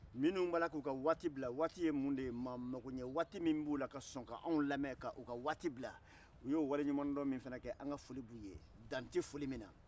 minnu b'a la k'u ka waati bila waati ye mun de ye maa makoɲɛwaati min b'u la ka sɔn ka anw lamɛn k'u ka waati bila u y'o walaɲumandɔn min fana kɛ anw ka foli b'u ye dan tɛ foli min na